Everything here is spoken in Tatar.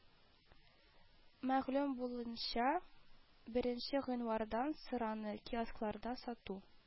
Мәгълүм булуынча, беренче гыйнвардан сыраны киоскларда сату